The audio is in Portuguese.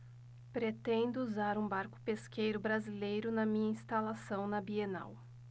pretendo usar um barco pesqueiro brasileiro na minha instalação na bienal